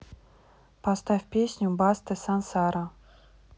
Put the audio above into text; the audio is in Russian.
поставь песню басты сансара